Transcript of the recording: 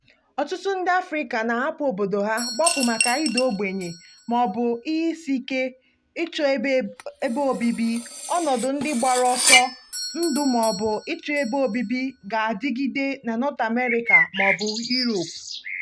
Ọtụtụ ndị Afrịka na-ahapụ obodo ha gbapụ maka ịda ogbenye mọọbụ ihe isi ike, ịchọ ebe obibi, ọnọdụ ndị gbara ọsọ ndụ mọọbụ ịchọ ebe obibi ga-adịgide na North America mọọbụ Europe.